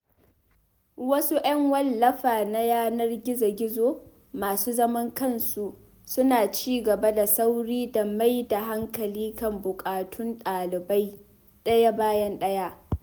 Wasu ƴan wallafa na yanar gizo-gizo masu zaman kansu suna ci gaba da sauri da mai da hankali kan bukatun ɗalibai ɗaya bayan ɗaya.